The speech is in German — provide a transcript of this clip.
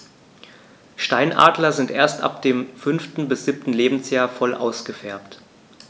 Steinadler sind erst ab dem 5. bis 7. Lebensjahr voll ausgefärbt.